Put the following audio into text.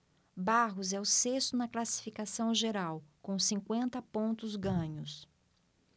barros é o sexto na classificação geral com cinquenta pontos ganhos